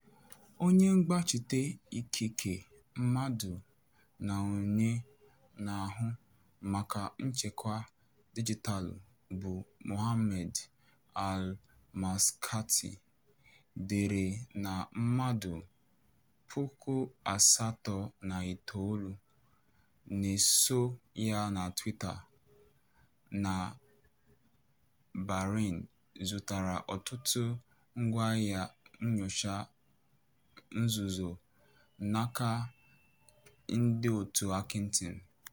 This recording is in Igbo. Onye mgbachite ikike mmadụ na onye na-ahụ maka nchekwa dijitaalụ bụ Mohammed Al-Maskati deere ndị mmadụ 89K na-eso ya na Twitter na Bahrain zụtara ọtụtụ ngwaahịa nnyocha nzuzo n'aka ndịotu Hacking Team.